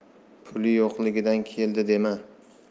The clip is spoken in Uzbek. puli yo'qligidan keldi dema